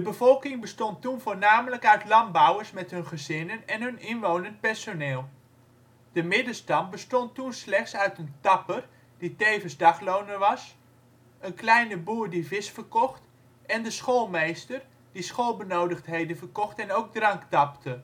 bevolking bestond toen voornamelijk uit landbouwers met hun gezinnen en hun inwonend personeel. De middenstand bestond toen slechts uit een tapper die tevens dagloner was, een kleine boer die vis verkocht en de schoolmeester, die schoolbenodigdheden verkocht en ook drank tapte.